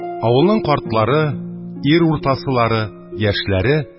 Авылның картлары, ир уртасылары, яшьләре